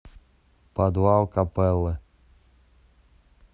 подвал копеллы